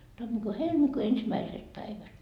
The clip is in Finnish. tammikuun helmikuun ensimmäiset päivät